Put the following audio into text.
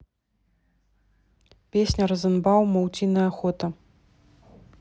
песня розенбаума утиная охота